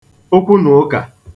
okwunụkà